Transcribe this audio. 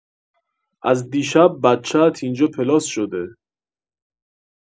از دیشب بچه‌ات اینجا پلاس شده